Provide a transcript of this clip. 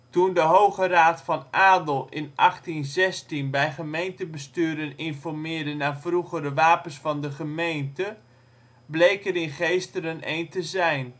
Toen de Hoge Raad van Adel in 1816 bij gemeentebesturen informeerde naar vroegere wapens van de gemeente, bleek er in Geesteren één te zijn